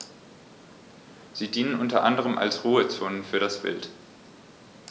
Sie dienen unter anderem als Ruhezonen für das Wild.